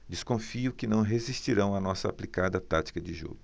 desconfio que não resistirão à nossa aplicada tática de jogo